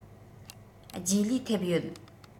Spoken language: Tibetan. རྗེས ལུས ཐེབས ཡོད